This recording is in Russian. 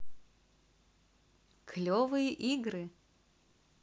клевые игры